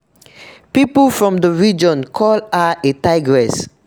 People from the region call her a "tigress".